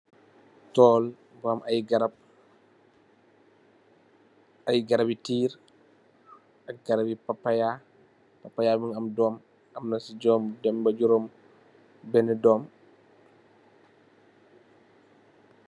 Tool bu am aye garab aye garabe terr ak garabe papaya papaya be muge am doom am nase jurum dem ba jurum bene doom.